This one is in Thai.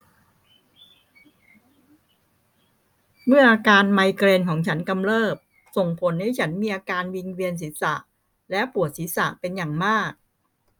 เมื่ออาการไมเกรนของฉันกำเริบส่งผลให้ฉันมีอาการวิงเวียนศีรษะและปวดศีรษะเป็นอย่างมาก